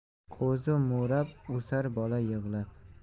qo'zi ma'rab o'sar bola yig'lab